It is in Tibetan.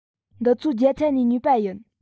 འདི ཚོ རྒྱ ཚ ནས ཉོས པ ཡིན